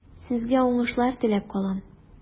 Сезгә уңышлар теләп калам.